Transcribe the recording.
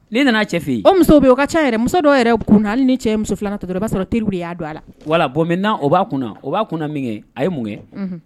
Ne nana cɛ fɛ o muso bɛ o ka ca yɛrɛ muso dɔw yɛrɛ kun hali ni cɛ musofila katɔ dɔrɔn i b'a sɔrɔ teriuru de y' don a la wala bɔn minna o b'a kun o b'a kunna min kɛ a ye mun kɛ